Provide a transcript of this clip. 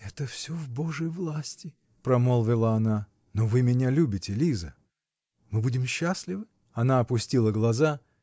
-- Это все в божьей власти, -- промолвила она. -- Но вы меня любите, Лиза? Мы будем счастливы? Она опустила глаза